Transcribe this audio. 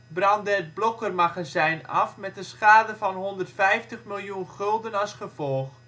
brandde het Blokker-magazijn af met een schade van 150 miljoen gulden als gevolg